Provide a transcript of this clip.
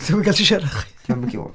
'Dio'm yn gallu siarad chwaith